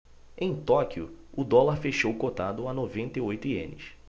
em tóquio o dólar fechou cotado a noventa e oito ienes